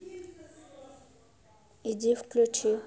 иди включи